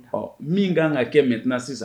Ɔ min ka kan ka kɛ maintenant sisan